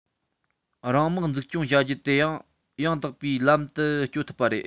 རང དམག འཛུགས སྐྱོང བྱ རྒྱུ དེ ཡང དག པའི ལམ དུ བསྐྱོད ཐུབ པ རེད